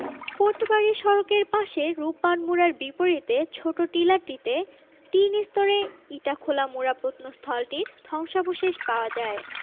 কোটবাড়ি সড়কের পাশে রূপবান মুড়ার বিপরীতে ছোট টিলাটিতে তিন স্তরে ইটাখোলামুড়া প্রত্নস্থলটির ধ্বংসাবশেষ পাওয়া যায়